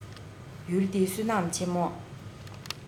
ཡུལ འདི བསོད ནམས ཆེན མོ